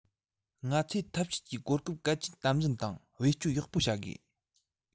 ང ཚོས འཐབ ཇུས ཀྱི གོ སྐབས གལ ཆེན དམ འཛིན དང བེད སྤྱོད ཡག པོ བྱ དགོས